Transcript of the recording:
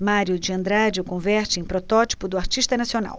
mário de andrade o converte em protótipo do artista nacional